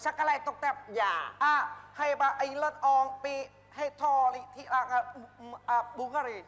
sặc cà lè tục tẹp à hây ba ây lớt on pi hây tho li thiện là ca à bùn ga ri